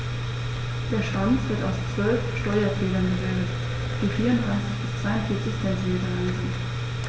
Der Schwanz wird aus 12 Steuerfedern gebildet, die 34 bis 42 cm lang sind.